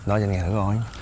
nói nghe thử coi